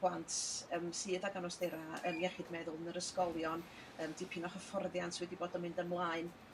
blant yym sydd ag anawstera yym iechyd meddwl yn yr ysgolion yym dipyn o hyfforddiant wedi bod yn mynd ymlaen